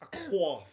A cough.